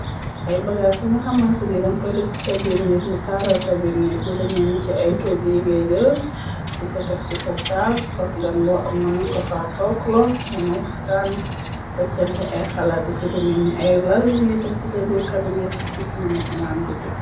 Ay bagaas ci nga xamante ni dam koy dof ci sabirne mu taaral sabirnik. Lu demeeni ci ay toogu yi ngay jël di ko teg ci sasaal bosgan bo ab nga mën ko xaatooklo. Ngen waxtaan weccante ay xalaate ci demeni. Ay lal yi ngay teg ci sabir kabinet tis mëna fanaal gudd.